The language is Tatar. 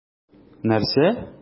Нәрсә?!